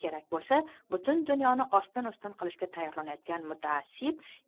kerak bo'lsa butun dunyoni ostin ustin qilishga tayyorlanayotgan mutaassib